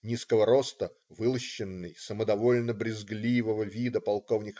Низкого роста, вылощенный, самодовольно-брезгливого вида полк.